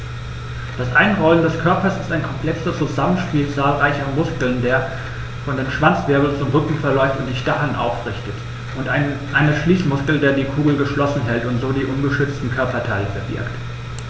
Das Einrollen des Körpers ist ein komplexes Zusammenspiel zahlreicher Muskeln, der von den Schwanzwirbeln zum Rücken verläuft und die Stacheln aufrichtet, und eines Schließmuskels, der die Kugel geschlossen hält und so die ungeschützten Körperteile verbirgt.